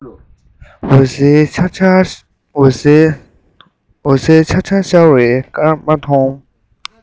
འོད ཟེར ལམ ལམ འཚེར བའི སྐར མ མཐོང